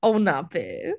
O na, be?